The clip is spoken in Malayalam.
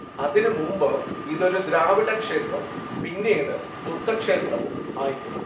അതിനുമുൻപ് ഇതൊരു ദ്രാവിഡക്ഷേത്രവും പിന്നീട് ബുദ്ധക്ഷേത്രവും ആയിരുന്നു